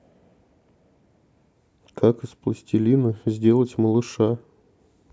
как из пластилина сделать малыша